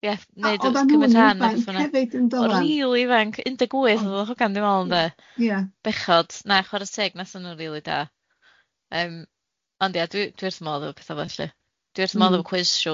ia neud y, cymryd rhan... Odda nw'n ifanc hefyd doddan... rili ifanc, un deg wyth o'dd y hogan dw' me'l ynde, bechod, na chwara teg natho nw'n rili da, yym ond ia dwi dwi wrth fy modd hefo petha felly. Dwi wrth fy modd hefo cwis shows